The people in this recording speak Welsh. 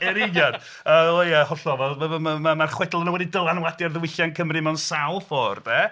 Yn union wel, ia, hollol ma- ma- ma- mae'r chwedl yna wedi dylanwadu ar ddiwylliant Cymru mewn sawl ffordd 'de